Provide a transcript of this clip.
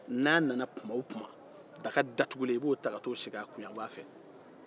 n'a nana tuma o tuma i bɛ daga datugulen ta ka t'o sigi a fɛ yen